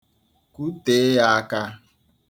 Kwutee ya aka.